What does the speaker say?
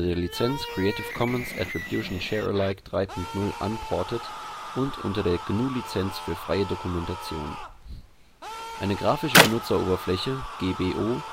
Lizenz Creative Commons Attribution Share Alike 3 Punkt 0 Unported und unter der GNU Lizenz für freie Dokumentation. Dieser Artikel befasst sich mit grafischen Benutzeroberflächen (auch GUI genannt).